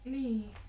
niin